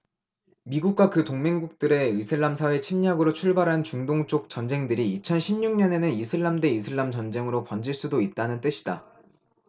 미국과 그 동맹국들의 이슬람사회 침략으로 출발한 중동 쪽 전쟁들이 이천 십 육 년에는 이슬람 대 이슬람 전쟁으로 번질 수도 있다는 뜻이다